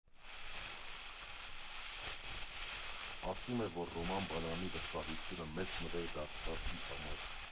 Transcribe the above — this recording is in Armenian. Ասում է, որ Ռոման Բալայանի վստահությունը մեծ նվեր դարձավ իր համար։